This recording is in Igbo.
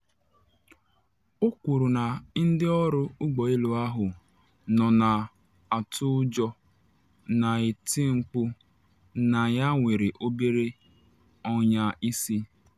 O kwuru na ndị ọrụ ụgbọ elu ahụ nọ na atụ ụjọ na eti mkpu, na ya nwere obere ọnya n’isi.